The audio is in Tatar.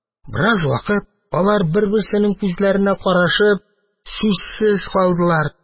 Бераз вакыт алар, бер-берсенең күзләренә карашып, сүзсез калдылар.